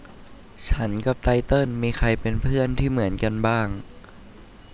ฉันกับไตเติ้ลมีใครเป็นเพื่อนที่เหมือนกันบ้าง